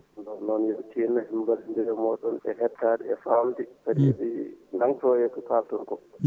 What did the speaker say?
nden noon yooɓe tinno ɓe ballodira e moɗon e etade famde kadi ɓe nangto e ko kalton ko